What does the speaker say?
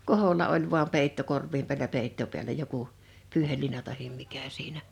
koholla oli vain peitto korvon päällä peitto päällä joku pyyheliina tai mikä siinä